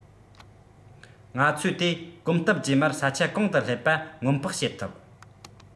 ང ཚོས དེ གོམ སྟབས རྗེས མར ས ཆ གང དུ སླེབས པ སྔོན དཔག བྱེད ཐུབ